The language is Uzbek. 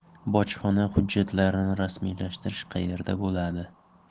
bojxona hujjatlarini rasmiylashtirish qayerda bo'ladi